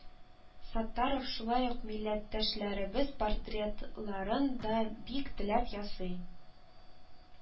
Саттаров шулай ук милләттәшләребез портрет ларын да бик теләп ясый